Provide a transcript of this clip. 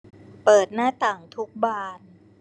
เปิดหน้าต่างทุกบาน